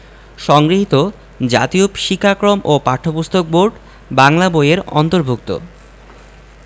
সংগৃহীত জাতীয় শিক্ষাক্রম ও পাঠ্যপুস্তক বোর্ড বাংলা বই এর অন্তর্ভুক্ত